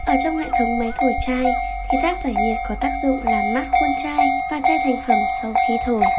ở trong hệ thống máy thổi chai thì tháp giải nhiệt có tác dụng làm mát khuôn chai và chai thành phẩm sau khi thổi